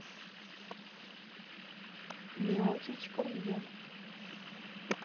миочич кормье